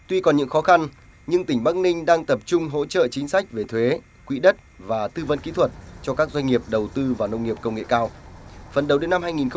tuy còn những khó khăn nhưng tỉnh bắc ninh đang tập trung hỗ trợ chính sách về thuế quỹ đất và tư vấn kỹ thuật cho các doanh nghiệp đầu tư vào nông nghiệp công nghệ cao phấn đấu đến năm hai nghìn